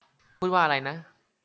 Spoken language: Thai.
พูดว่าอะไรนะ